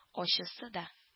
Ачысы да